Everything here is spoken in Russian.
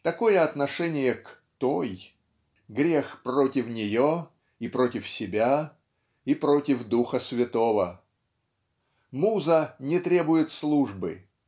Такое отношение к "той" -- грех против нее и против себя и против духа святого. Муза не требует службы.